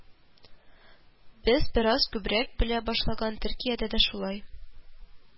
Без бераз күбрәк белә башлаган Төркиядә дә шулай